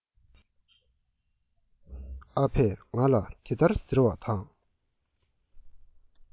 ཨ ཕས ང ལ དེ ལྟར ཟེར བ དང